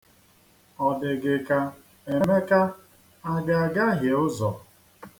Ọ dị gị ka Emeka a ga-agahie ụzọ?